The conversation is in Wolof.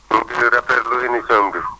ñu ngi rafetlu émission bi